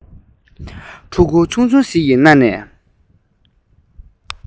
ཕྲུ གུ ཆུང ཆུང ཞིག གི སྣ ནས